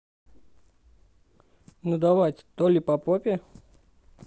надавать то ли по попе